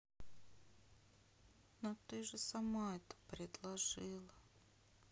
ну ты же сама это предложила